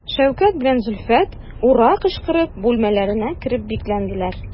Шәүкәт белән Зөлфәт «ура» кычкырып бүлмәләренә кереп бикләнделәр.